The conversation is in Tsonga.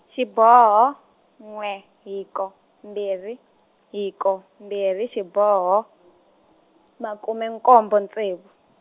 xiboho, n'we hiko, mbhiri hiko, mbhiri xiboho, makume nkombo ntsevu.